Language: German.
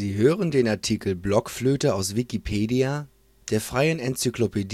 hören den Artikel Blockflöte, aus Wikipedia, der freien Enzyklopädie